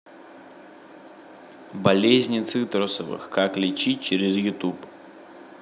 болезни цитрусовых как лечить через ютуб